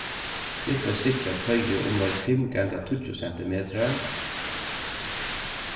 klipp eitt stykki av toyi umleið fimm ganga tíggju sentimetrar